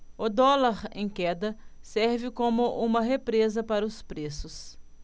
o dólar em queda serve como uma represa para os preços